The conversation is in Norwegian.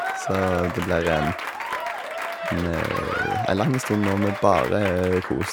Så det blir sånn ha ei lang stund nå med bare kos.